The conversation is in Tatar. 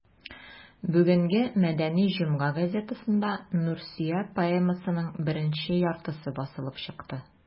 Бүгенге «Мәдәни җомга» газетасында «Нурсөя» поэмасының беренче яртысы басылып чыкты.